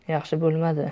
yaxshi bo'lmadi